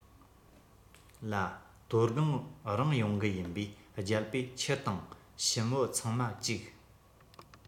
ལྰ དོ དགོང རང ཡོང གི ཡིན པས རྒྱལ པོས ཁྱི དང ཞུམ བུ ཚང མ བཅུག